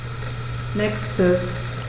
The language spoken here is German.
Nächstes.